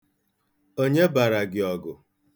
Onye bara gị ọgụ?